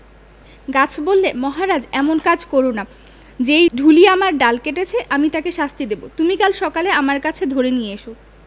গাছ বললে মহারাজ এমন কাজ কর না যেই ঢুলি আমার ডাল কেটেছে আমি তাকে শাস্তি দেব তুমি কাল সকালে তাকে আমার কাছে ধরে নিয়ে এস